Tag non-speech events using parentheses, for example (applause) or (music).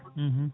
(hesitation) (hesitation)